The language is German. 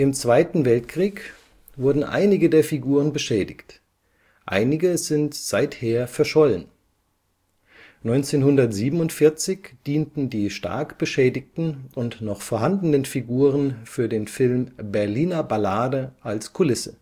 Zweiten Weltkrieg wurden einige der Figuren beschädigt, einige sind seither verschollen. 1947 dienten die stark beschädigten und noch vorhandenen Figuren für den Film Berliner Ballade als Kulisse